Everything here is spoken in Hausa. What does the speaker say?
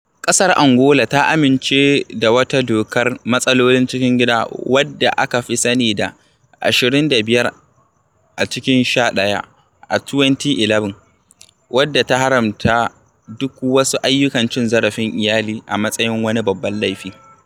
ƙasar Angola ta amince da wata dokar matsalolin cikin gida wadda aka fi sani da 25/11 a 2011 wadda ta haramta duk wasu ayyukan cin zarafin iyali a matsayin wani babban laifi.